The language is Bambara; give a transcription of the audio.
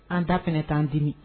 An ta fana t'an dimi